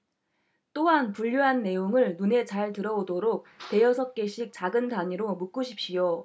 또한 분류한 내용을 눈에 잘 들어오도록 대여섯 개씩 작은 단위로 묶으십시오